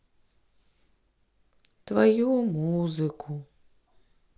твою музыку